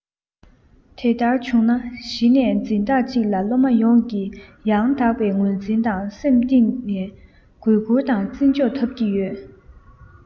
དེ ལྟར བྱུང ན གཞི ནས འཛིན བདག ཅིག ལ སློབ མ ཡོངས ཀྱི ཡང དག པའི ངོས འཛིན དང སེམས གཏིང ནས གུས བཀུར དང རྩི འཇོག ཐོབ ཀྱི ཡོད